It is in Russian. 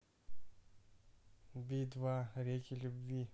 би два реки любви